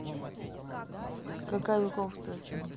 какая веков тестами